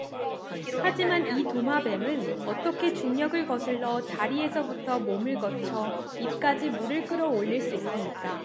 하지만 이 도마뱀은 어떻게 중력을 거슬러 다리에서부터 몸을 거쳐 입까지 물을 끌어 올릴 수 있습니까